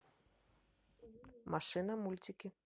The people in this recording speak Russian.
машина мультики